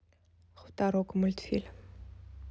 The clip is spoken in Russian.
хуторок мультфильм